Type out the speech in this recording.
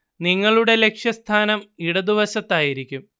നിങ്ങളുടെ ലക്ഷ്യസ്ഥാനം ഇടതുവശത്തായിരിക്കും